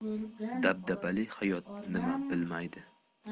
dabdabali hayot nima bilmaydi